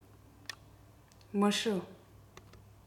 མི སྲིད